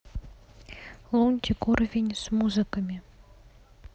лунтик уровень с музыками